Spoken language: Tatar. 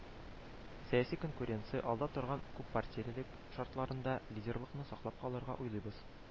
“сәяси конкуренция, алда торган күппартиялелек шартларында лидерлыкны саклап калырга уйлыйбыз